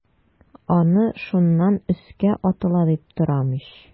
Аны шуннан өскә атыла дип торам ич.